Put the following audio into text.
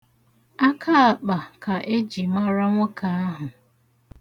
Akaakpa ka e ji mara nwoke ahụ.